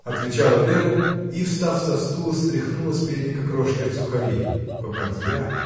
— отвечала Вера и, встав со стула, стряхнула с передника крошки от сухарей. — Попадья!